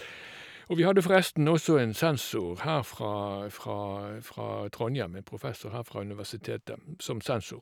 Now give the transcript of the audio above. Og vi hadde forresten også en sensor her fra fra fra Trondhjem, en professor her fra universitetet, som sensor.